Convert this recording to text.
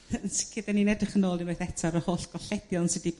yn sicr 'dyn ni'n edrych yn ôl unwaith eto ar y holl golledion sy 'di